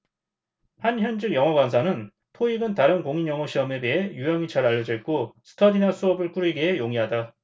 한 현직 영어강사는 토익은 다른 공인영어시험에 비해 유형이 잘 알려져 있고 스터디나 수업을 꾸리기에 용이하다